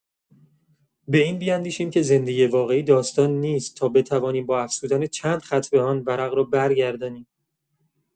به این بیندیشیم که زندگی واقعی داستان نیست تا بتوانیم با افزودن چند خط به آن، ورق را برگردانیم.